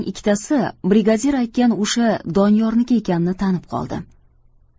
ikkitasi brigadir aytgan o'sha doniyorniki ekanini tanib qoldim